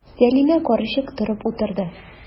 Сәлимә карчык торып утырды.